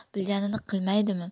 bilganini qilmaydimi